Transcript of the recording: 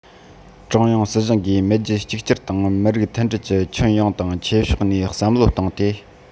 ཀྲུང དབྱང སྲིད གཞུང གིས མེས རྒྱལ གཅིག གྱུར དང མི རིགས མཐུན སྒྲིལ གྱི ཁྱོན ཡོངས དང ཆེ ཕྱོགས ནས བསམ བློ བཏང སྟེ